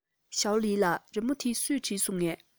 ཞོའོ ལིའི ལགས རི མོ འདི སུས བྲིས སོང ངས